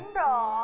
đúng rồi